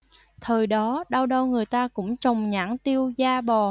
thời đó đâu đâu người ta cũng trồng nhãn tiêu da bò